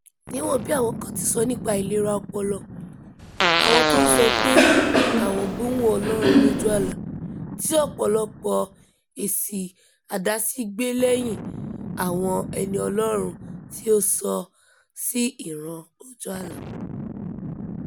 Níwọ̀n-ọn bí àwọn kan ti sọ nípa àìlera ọpọlọ àwọn t'ó ń sọ pé àwọn gbọ́hùn Ọlọ́run lójú àlá, tí ọ̀pọ̀lọpọ̀ èsì àdásí gbè lẹ́yìn àwọn ẹni Ọlọ́run tí ó sọ sí ìran ojú àlá.